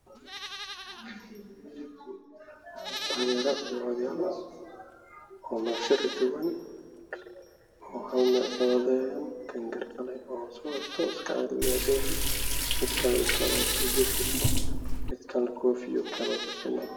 Meeshan waxaa ka muuqato dhalinyaro farabadan oo meel si rajoodaan ninka ugu soo horeeyo waxa uu wataa shati caddaysi iyo madow isku jira ah hortiis ayuu fiirinayaa